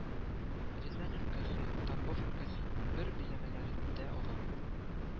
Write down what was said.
Рязань өлкәсе, Тамбов өлкәсе бер биләмәләрендә ага